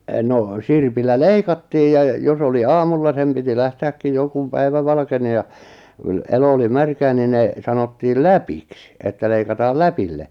no sirpillä leikattiin ja jos oli aamulla sen piti lähteäkin jo kun päivä valkeni ja - elo oli märkää niin ne sanottiin läpiksi että leikataan läpille